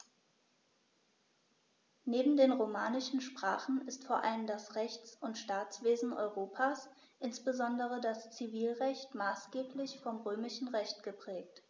Neben den romanischen Sprachen ist vor allem das Rechts- und Staatswesen Europas, insbesondere das Zivilrecht, maßgeblich vom Römischen Recht geprägt.